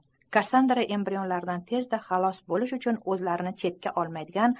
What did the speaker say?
kassandra embrionlardan tezda xalos bo'lish uchun o'zlarini chetga olmaydigan